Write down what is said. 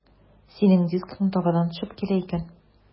Синең дискың табадан төшеп килә икән.